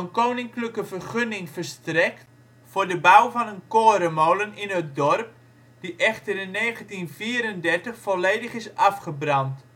koninklijke vergunning verstrekt voor de bouw van korenmolen in het dorp, die echter in 1934 volledig is afgebrand